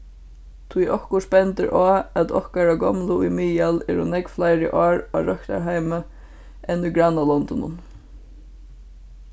tí okkurt bendir á at okkara gomlu í miðal eru nógv fleiri ár á røktarheimi enn í grannalondunum